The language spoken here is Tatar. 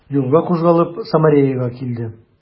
Юлга кузгалып, Самареяга килде.